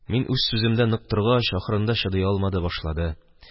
Мин үз сүземдә нык торгач, ахырында ул чыдый алмады, башлады.